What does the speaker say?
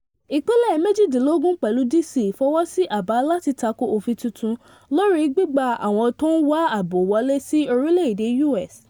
Ìpínlẹ̀ méjìdínlógún pẹ̀lú D.C. fọwọ́ sí àbá láti tako ofin titun lórí gbigba àwọn tó ń wá àbò wọlé sí orílẹ̀èdè US.